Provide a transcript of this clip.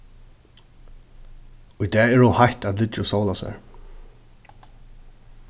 í dag er ov heitt at liggja og sóla sær